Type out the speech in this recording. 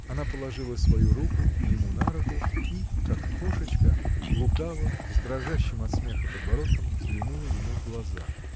Она положила свою руку — ему на руку и, как кошечка, лукаво, с дрожащим от смеха подбородком взглянула ему в глаза.